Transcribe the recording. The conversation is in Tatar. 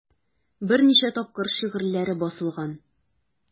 Берничә тапкыр шигырьләре басылган.